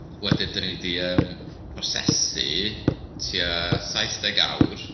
Wedyn dan ni 'di ymm prosesu tua 70 awr.